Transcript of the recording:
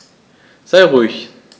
Sei ruhig.